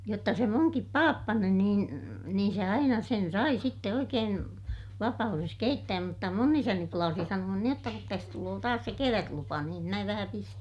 jotta se minunkin pappani niin niin se aina sen sai sitten oikein vapaudessa keittää mutta minun isäni plaasi sanoa niin jotta kun tässä tulee taas se kevätlupa niin minä vähän pistän